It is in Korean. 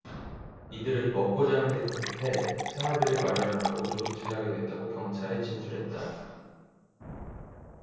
이들은 먹고 자는데 급급해 생활비를 마련하려고 도둑질을 하게 됐다고 경찰에 진술했다